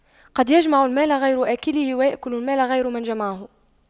قد يجمع المال غير آكله ويأكل المال غير من جمعه